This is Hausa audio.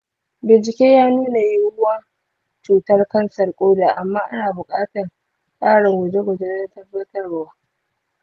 bincike ya nuna yiwuwan cutar kansar ƙoda, amma ana buƙatan ƙarin gwaje gwaje don tabbatarwa